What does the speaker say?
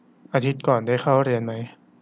อาทิตย์ก่อนได้เข้าเรียนมั้ย